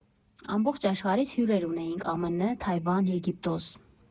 Ամբողջ աշխարհից հյուրեր ունեինք՝ ԱՄՆ, Թայվան, Եգիպտոս։